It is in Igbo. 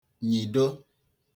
nyị̀do